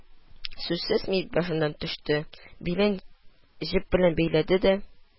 Сүзсез мич башыннан төште, билен җеп белән бәйләде дә: